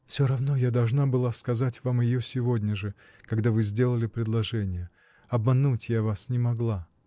— Всё равно: я должна была сказать вам ее сегодня же, когда вы сделали предложение. Обмануть я вас не могла.